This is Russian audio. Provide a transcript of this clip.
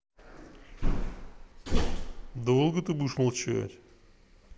долго будешь молчать